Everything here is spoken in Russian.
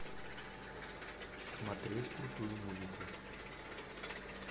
смотреть крутую музыку